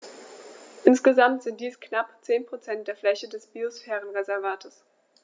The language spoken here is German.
Insgesamt sind dies knapp 10 % der Fläche des Biosphärenreservates.